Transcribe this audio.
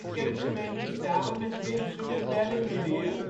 kerkgemeente samen met Winsum en Bellingeweer